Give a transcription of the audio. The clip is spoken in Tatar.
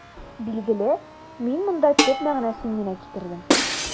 Билгеле, мин монда төп мәгънәсен генә китердем.